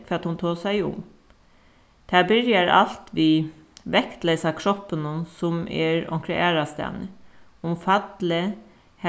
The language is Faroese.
hvat hon tosaði um tað byrjar alt við vektleysa kroppinum sum er onkra aðrastaðni um fallið